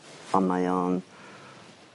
On' mae o'n